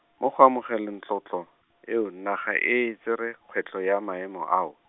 mo go amogeleng tlotlo, eo naga e e, tsere kgwetlho ya maemo ao.